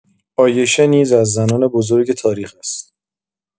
عایشه نیز از زنان بزرگ تاریخ است.